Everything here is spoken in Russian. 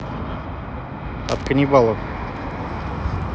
от каннибалов